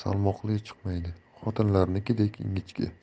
salmoqli chiqmaydi xotinlarnikidek ingichka